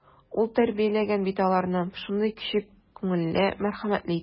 Ул тәрбияләгән бит аларны шундый кече күңелле, мәрхәмәтле итеп.